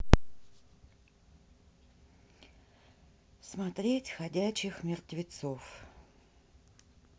смотреть ходячих мертвецов